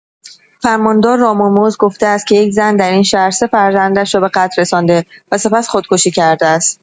فرماندار رامهرمز گفته است که یک زن در این شهر سه فرزندش را به قتل رسانده و سپس خودکشی کرده است.